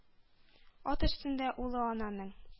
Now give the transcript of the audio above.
Ат өстендә улы ананың,